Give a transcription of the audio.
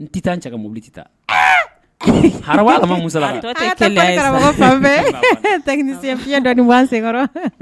N ti taa n cɛ ka mɔbili ti taa . Haramu hali a ma fɔ ka nɔgɔya. ni senkɔrɔ